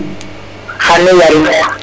xan a yarin